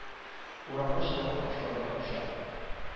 Урамга чыгарып ташларга куша.